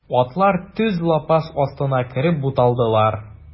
Атлар төз лапас астына кереп буталдылар.